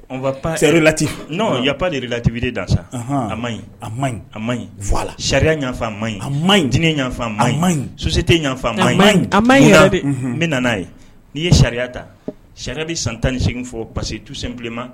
On va pas . C'est relatif . Non, il n'y a pas de relativité dans ça . Ɔnhɔn! A maɲi. A maɲi. A maɲi voila . Sariya y'a fɔ, a maɲi. A maɲi. Diinɛ y'a fɔ, a maɲi. A maɲi. Société y'a fɔ, a maɲi. A maɲi,. A maɲi yɛrɛ de. N bɛ nana ye, k'a ni ni ye sariya bɛ san 18 fɔ parce tout simplement .